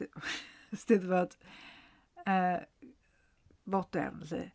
Y 'Steddfod yy fodern 'lly.